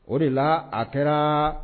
O de la a kɛra